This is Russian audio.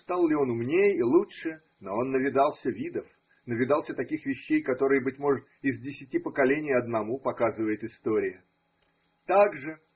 стал ли он умней и лучше, но он навидался видов – навидался таких вещей, которые, быть может, из десяти поколений одному показывает история. Так же.